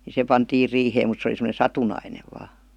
niin se pantiin riiheen mutta se oli semmoinen satunnainen vain